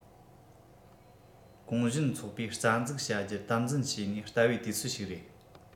གུང གཞོན ཚོགས པའི རྩ འཛུགས བྱ རྒྱུ དམ འཛིན བྱས ནས བལྟ བའི དུས ཚོད ཞིག རེད